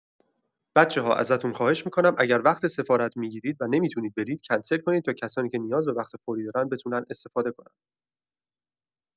بچه‌ها ازتون خواهش می‌کنم اگر وقت سفارت می‌گیرید و نمی‌تونید برید، کنسل کنید تا کسانی که نیاز به وقت فوری دارن بتونن استفاده کنند.